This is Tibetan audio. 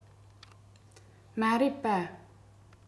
མ རེད པ